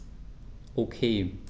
Okay.